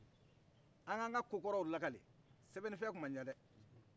an ka ka kokɔrɔ lakale sɛbɛnni fɛn tun man can